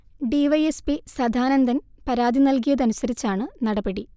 D YS P Sadanandan പരാതി നൽകിയത് അനുസരിച്ചാണ് നടപടി